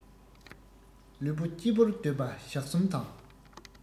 ལུས པོ སྐྱིད པོར སྡོད པ ཞག གསུམ དང